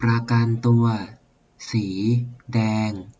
ประกันตัวสีแดง